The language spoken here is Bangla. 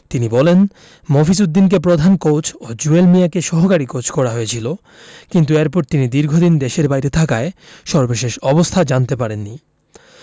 তিনি বলেন মফিজ উদ্দিনকে প্রধান কোচ ও জুয়েল মিয়াকে সহকারী কোচ করা হয়েছিল কিন্তু এরপর তিনি দীর্ঘদিন দেশের বাইরে থাকায় সর্বশেষ অবস্থা জানতে পারেননি